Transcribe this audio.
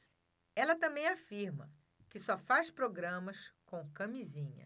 ela também afirma que só faz programas com camisinha